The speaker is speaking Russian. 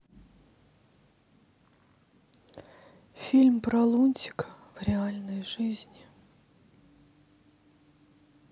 фильм про лунтика в реальной жизни